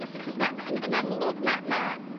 os achos ma' yn amlwg ma' ma'